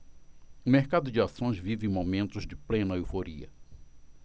o mercado de ações vive momentos de plena euforia